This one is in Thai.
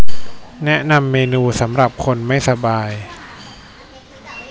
แนะนำเมนูสำหรับคนไม่สบาย